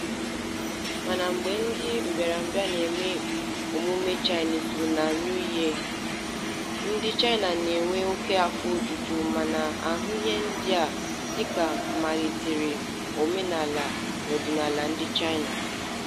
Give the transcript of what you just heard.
Mana mgbe ndị mbịarambịa na-eme emume Chinese Lunar New Year, ndị China na-enwe oke afọ ojuju ma na-ahụ ihe ndị a dịka mmalitegharị omenala ọdịnala ndị China...